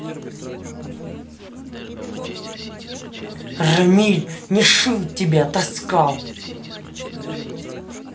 рамиль nihil тебя таскал